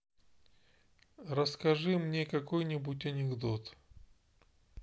расскажи мне какой нибудь анекдот